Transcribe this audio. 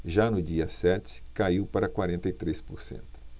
já no dia sete caiu para quarenta e três por cento